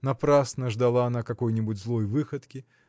Напрасно ждала она какой-нибудь злой выходки